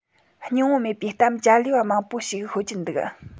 སྙིང པོ མེད པའི གཏམ ཅ ལེ བ མང པོ ཞིག ཤོད ཀྱིན འདུག